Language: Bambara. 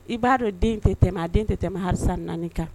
I b'a dɔn den tɛ tɛmɛ a den tɛ tɛmɛ ha naani kan